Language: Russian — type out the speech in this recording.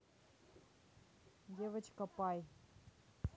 девочка пай